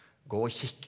gå å kikk!